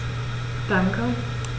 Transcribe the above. Danke.